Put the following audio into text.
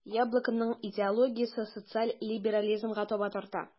"яблоко"ның идеологиясе социаль либерализмга таба тарта.